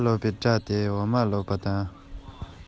ཚུལ འདི མཐོང བ ན གྲང ཤུར ཤུར གྱི